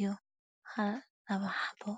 iyo labo